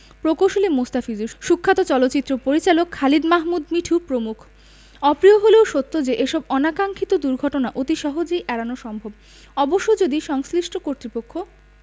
প্রকৌশলী মোস্তাফিজুর সুখ্যাত চলচ্চিত্র পরিচালক খালিদ মাহমুদ মিঠু প্রমুখ অপ্রিয় হলেও সত্ত্বেও যে এসব অনাকাক্সিক্ষত দুর্ঘটনা অতি সহজেই এড়ানো সম্ভব অবশ্য যদি সংশ্লিষ্ট কর্তৃপক্ষ